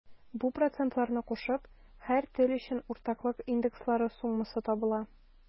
Бу процентларны кушып, һәр тел өчен уртаклык индекслары суммасы табыла.